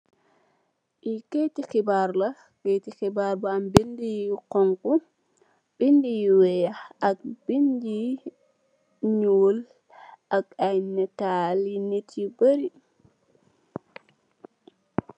Li keyti xibaar la keyti xibaar bu am binda yu xonxu dindi yu weex ak bindi yu nuul ak ay neetal nitt yu bari.